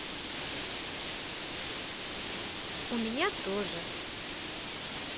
у меня тоже